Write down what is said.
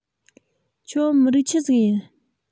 ཁྱོད མི རིགས ཆི ཟིག ཡིན